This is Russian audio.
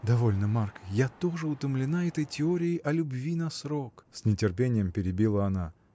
— Довольно, Марк, я тоже утомлена этой теорией о любви на срок! — с нетерпением перебила она.